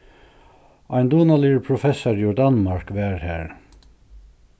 ein dugnaligur professari úr danmark var har